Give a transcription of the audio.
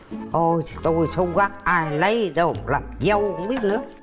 ồ tôi xấu hoắc ai lấy đâu làm dâu không biết nữa